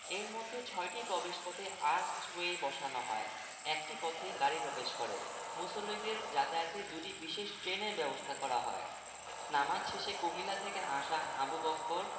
এর মধ্যে ছয়টি প্রবেশপথে আর্চওয়ে বসানো হয় একটি পথ গাড়ি প্রবেশ করে মুসল্লিদের যাতায়াতে দুটি বিশেষ ট্রেনের ব্যবস্থা করা হয় নামাজ শেষে কুমিল্লা থেকে আসা আবু বক্কর